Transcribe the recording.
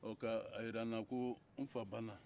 ka jira n na ko n fa banna